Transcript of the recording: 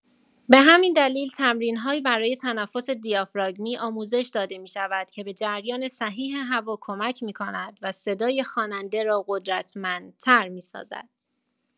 به همین دلیل تمرین‌هایی برای تنفس دیافراگمی آموزش داده می‌شود که به جریان صحیح هوا کمک می‌کند و صدای خواننده را قدرتمندتر می‌سازد.